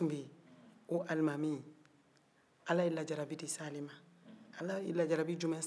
ala ye lajarabi jumɛn se ale ma